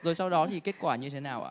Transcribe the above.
rồi sau đó thì kết quả như thế nào ạ